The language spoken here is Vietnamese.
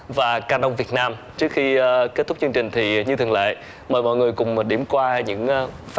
và ca nông việt nam trước khi kết thúc chương trình thì như thường lệ mời mọi người cùng một điểm qua những